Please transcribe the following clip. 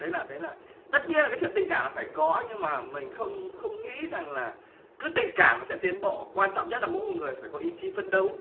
đấy là đấy là tất nhiên là cái chuyện tình cảm phải có nhưng mà mình không không nghĩ rằng là cứ tình cảm là sẽ tiến bộ quan trọng nhất là mỗi một người phải có ý chí phấn đấu